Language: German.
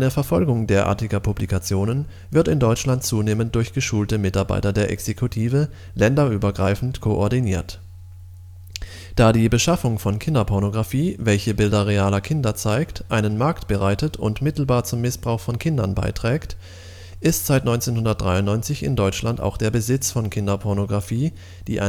Verfolgung derartiger Publikationen wird in Deutschland zunehmend durch geschulte Mitarbeiter der Exekutive länderübergreifend koordiniert. Da die Beschaffung von Kinderpornografie, welche Bilder realer Kinder zeigt, einen Markt bereitet und mittelbar zum Missbrauch von Kindern beiträgt, ist seit 1993 in Deutschland auch der Besitz von Kinderpornografie, die